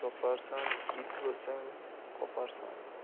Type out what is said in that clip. it bo'lsang qoparsan